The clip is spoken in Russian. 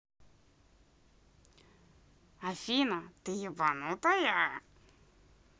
афина ты ебанутая